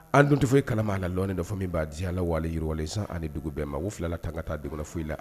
An dun tɛ fosi kalama